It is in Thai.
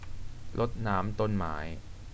รดน้ำต้นไม้